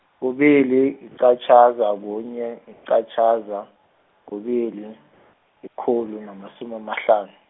kubili yiqatjhaza, kunye, yiqatjhaza, kubili , likhulu namasumi amahlanu.